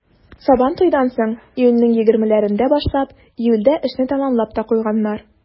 Сабантуйдан соң, июньнең егермеләрендә башлап, июльдә эшне тәмамлап та куйганнар.